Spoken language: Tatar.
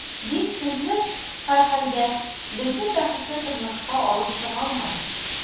Динсезлек, һәрхәлдә, безне бәхетле тормышка алып чыга алмады.